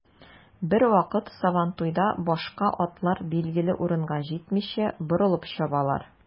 Бервакыт сабантуйда башка атлар билгеле урынга җитмичә, борылып чабалар.